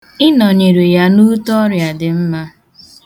Ịnọyere ya n' ute ọrịa dị mma.